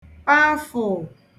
pafụ̀